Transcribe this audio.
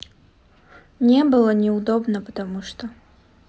не было неудобно потому что